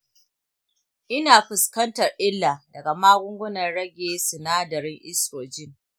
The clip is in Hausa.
ina fuskantar illa daga magungunan rage sinadarin estrogen.